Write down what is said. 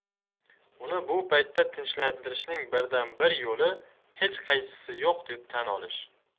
uni bu paytda tinchlantirishning birdan bir yo'li hech qaysisi yo'q deb tan olish